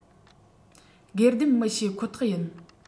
སྒེར སྡེམ མི བྱེད ཁོ ཐག ཡིན